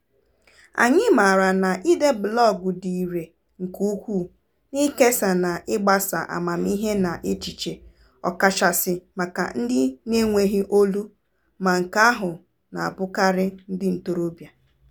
Anyị maara na ide blọọgụ dị irè nke ukwuu n'ikesa na ịgbasa amamihe na echiche, ọkachasị maka ndị n'enweghị "olu" - ma nke ahụ na-abụkarị ndị ntorobịa.